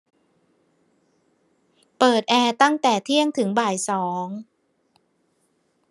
เปิดแอร์ตั้งแต่เที่ยงถึงบ่ายสอง